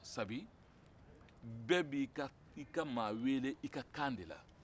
sabu bɛɛ b'i ka maa wele i ka kan de la